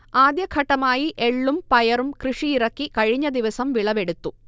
ആദ്യഘട്ടമായി എള്ളും പയറും കൃഷിയിറക്കി കഴിഞ്ഞദിവസം വിളവെടുത്തു